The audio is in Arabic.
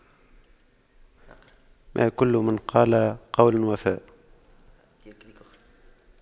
ما كل من قال قولا وفى